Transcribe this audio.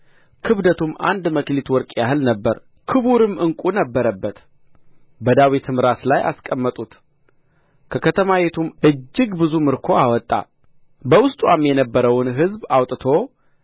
ክብደቱም አንድ መክሊት ወርቅ ያህል ነበረ ክቡርም ዕንቍ ነበረበት በዳዊትም ራስ ላይ አስቀመጡት ከከተማይቱም እጅግ ብዙ ምርኮ አወጣ በውስጥዋም የነበረውን ሕዝብ አውጥቶ